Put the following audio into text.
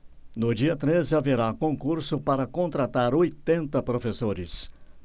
no dia treze haverá concurso para contratar oitenta professores